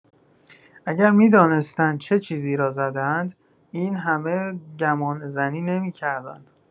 اگر می‌دانستند چه چیزی را زده‌اند این همه گمانه‌زنی نمی‌کردند.